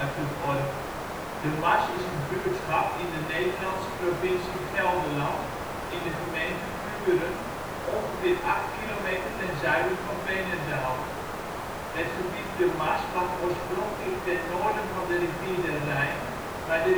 OL De Mars Plaats in Nederland Situering Provincie Gelderland Gemeente Buren Algemeen Inwoners (2005) 270 Detailkaart Locatie in de gemeente Portaal Nederland Beluister (info) De Mars is een buurtschap in de Nederlandse provincie Gelderland, in de gemeente Buren, ongeveer 8 km ten zuiden van Veenendaal. Het gebied De Mars lag oorspronkelijk ten noorden van de rivier de Rijn, maar